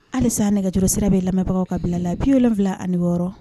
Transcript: Halisa nɛgɛj sira bɛ lamɛnbagaw ka bila la bi'iylenwula ani wɔɔrɔ